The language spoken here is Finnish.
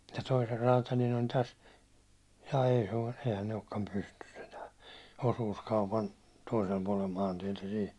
ja toisen räätälin on tässä jaa ei se ole sehän ei olekaan pystyssä enää osuuskaupan toisella puolella maantietä siinä